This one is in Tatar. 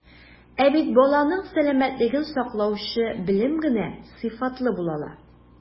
Ә бит баланың сәламәтлеген саклаучы белем генә сыйфатлы була ала.